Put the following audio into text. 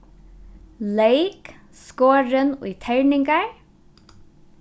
leyk skorin í terningar